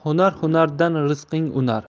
hunar hunardan rizqing unar